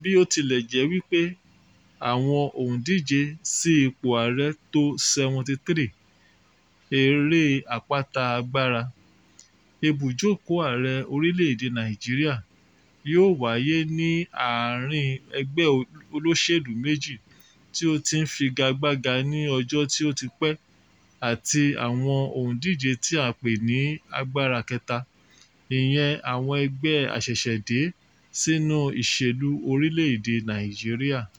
Bí-ó-ti-lẹ̀-jẹ́-wípé àwọn òǹdíje sí ipò ààrẹ t'ó 73, eré Àpáta Agbára – ibùjókòó ààrẹ orílẹ̀-èdè Nàìjíríà – yóò wáyé ní àárín-in ẹgbẹ́ olóṣèlú méjì tí ó ti ń figagbága ní ọjọ́ tí ó ti pẹ́ àti àwọn òǹdíje tí a pè ní "agbára ìkẹta", ìyẹn àwọn ẹgbẹ́ a ṣẹ̀ṣẹ̀ dé sínú ìṣèlú orílẹ̀-èdè Nàìjíríà.